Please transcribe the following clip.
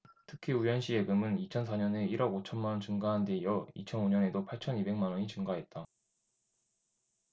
특히 우현씨 예금은 이천 사 년에 일 억 오천 만원 증가한데 이어 이천 오 년에도 팔천 이백 만원이 증가했다